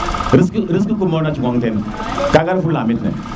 risque fa maak na cungag tenn kaga ref u laamit ne